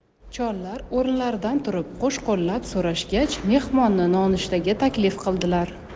chollar o'rinlaridan turib qo'shqo'llab so'rashgach mehmonni nonushtaga taklif qildilar